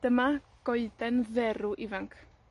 Dyma goeden dderw ifanc.